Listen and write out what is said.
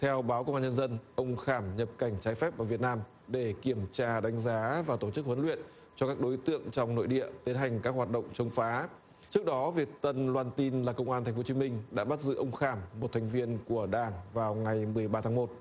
theo báo công an nhân dân ông khảm nhập cảnh trái phép vào việt nam để kiểm tra đánh giá và tổ chức huấn luyện cho các đối tượng trong nội địa tiến hành các hoạt động chống phá trước đó việt tân loan tin là công an thành phố hồ chí minh đã bắt giữ ông khảm một thành viên của đảng vào ngày mười ba tháng một